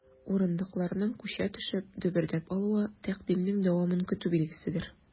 Урындыкларның, күчә төшеп, дөбердәп алуы— тәкъдимнең дәвамын көтү билгеседер.